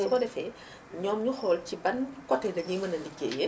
su ko defee ñoom ñu xool ci ban côté la ñuy mën a liggéeyee